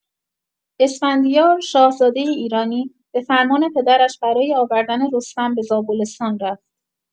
اسفندیار، شاهزادۀ ایرانی، به‌فرمان پدرش برای آوردن رستم به زابلستان رفت.